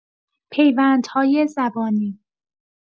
پیوندهای زبانی